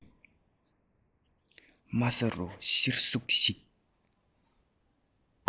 དམའ ས རུ གཤེར གཟུགས ཤིག